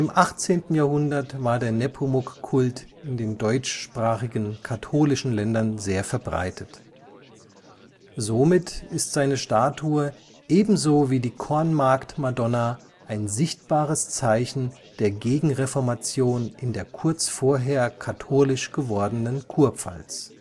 18. Jahrhundert war der Nepomuk-Kult in den deutschsprachigen katholischen Ländern sehr verbreitet. Somit ist seine Statue ebenso wie die Kornmarkt-Madonna ein sichtbares Zeichen der Gegenreformation in der kurz vorher katholisch gewordenen Kurpfalz